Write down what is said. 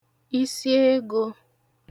isiegō